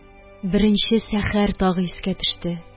Беренче сәхәр тагы искә төште